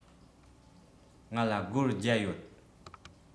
ང ལ སྒོར བརྒྱ ཡོད